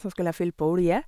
Så skulle jeg fylle på olje.